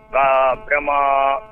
Ba